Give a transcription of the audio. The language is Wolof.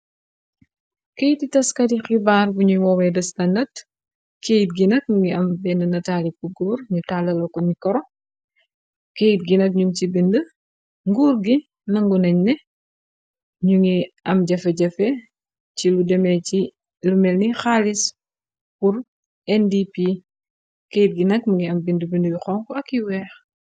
Keyti taskati xibaar buñuy woowee de standat keyt gi nag mungi am benn nataali ku góor ñu tàllala ko ñu koro keyt gi nag ñu ci bind nguur gi nangu nañ ne ñu ngi am jafe-jafe ci lu demee ci lu mel ni xaalis wur ndp keyt gi nag mungi am bind bind yu xonk ak yu weex.